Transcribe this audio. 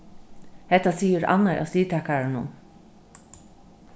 hetta sigur annar av stigtakarunum